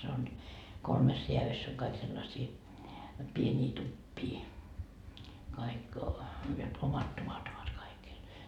se on kolmessa rääädyssä on kaikki sellaisia pieniä tupia kaikki jotta omat tuvat ovat kaikilla